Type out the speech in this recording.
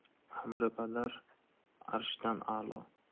amri padar arshdan a'lo